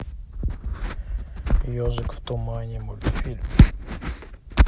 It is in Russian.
ежик в тумане мультфильм